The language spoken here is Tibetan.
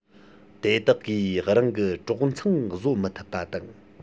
དེ དག གིས རང གི གྲོག ཚང བཟོ མི ཐུབ པ དང